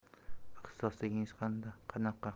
ixtisosligingiz qanaqa